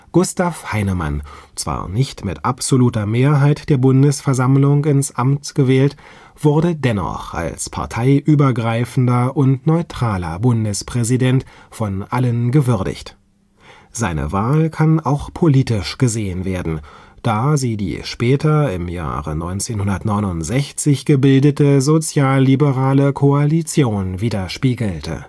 Gustav Heinemann, zwar nicht mit absoluter Mehrheit der Bundesversammlung ins Amt gewählt, wurde dennoch als parteiübergreifender und neutraler Bundespräsident von allen gewürdigt. Seine Wahl kann auch politisch gesehen werden, da sie die später im Jahr 1969 gebildete sozialliberale Koalition widerspiegelte